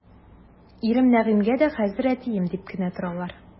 Ирем Нәгыймгә дә хәзер әтием дип кенә торалар.